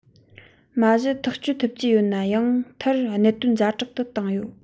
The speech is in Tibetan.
མ གཞི ཐག གཅོད ཐུབ ཀྱི ཡོད ན ཡང མཐར གནད དོན ཛ དྲག ཏུ བཏང ཡོད